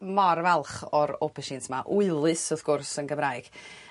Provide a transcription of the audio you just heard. mor falch o'r aubergines 'ma wylus wrth gwrs yn Gymraeg.